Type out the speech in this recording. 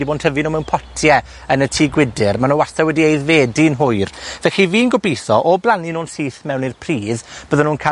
'di bo' yn tyfu nw mewn potie, yn y tŷ gwydyr. Ma' nw wastad wedi eiddfedu'n hwy. Felly fi'n gobeithio, o blannu nw'n syth mewn i'r pridd, bydden nw'n ca'l